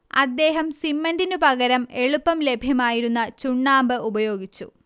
അദ്ദേഹം സിമന്റിനു പകരം എളുപ്പം ലഭ്യമായിരുന്ന ചുണ്ണാമ്പ് ഉപയോഗിച്ചു